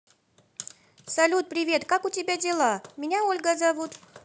салют привет как у тебя дела меня ольга зовут